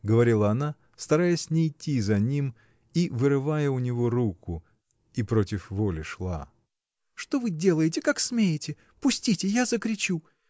— говорила она, стараясь нейти за ним и вырывая у него руку, и против воли шла. — Что вы делаете, как смеете! Пустите, я закричу!.